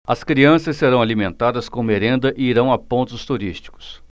as crianças serão alimentadas com merenda e irão a pontos turísticos